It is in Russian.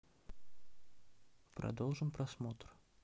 продолжим просмотр